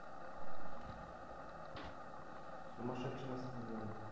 сумасшедший на стадионе